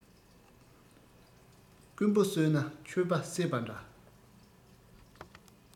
རྐུན པོ གསོས ན ཆོས པ བསད པ འདྲ